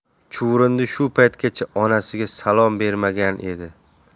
chuvrindi shu paytgacha onasiga salom bermagan edi